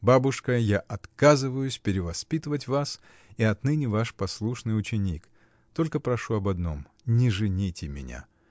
Бабушка, я отказываюсь перевоспитывать вас и отныне ваш послушный ученик, только прошу об одном — не жените меня.